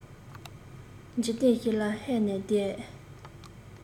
འཇིག རྟེན ཞིག ལ ཧད ནས བསྡད